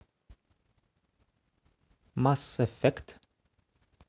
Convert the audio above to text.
mass effect